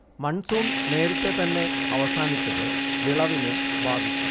monsoon നേരത്തേതന്നെ അവസാനിച്ചത് വിളവിനെ ബാധിച്ചു